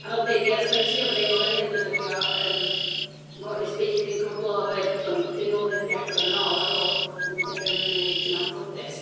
A fel dwi'n deud, ie, so dan ni'n trio bob dim. Oedden ni yn defnyddio yym Morris Bakery yn Cwm y Glo 'fyd. Ond 'dyn nhw ddim 'di agor yn ôl ar ôl pandemig yn anffodus.